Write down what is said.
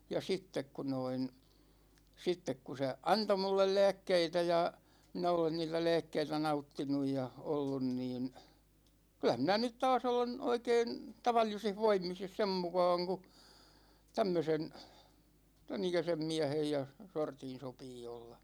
ja sitten kun noin sitten kun se antoi minulle lääkkeitä ja minä olen niitä lääkkeitä nauttinut ja ollut niin kyllä minä nyt taas olen oikein tavallisissa voimissa ja sen mukaan kun tämmöisen tämän ikäisen miehen ja sortin sopii olla